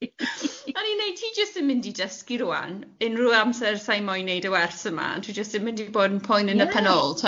O'n i'n 'weud ti jyst yn mynd i dysgu rŵan, unrhyw amser sa' i moyn 'neud y wers yma, dwi jyst yn mynd i bod yn poen yn y pen ôl... Ie